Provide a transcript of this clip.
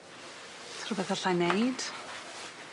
'S rwbeth allai neud?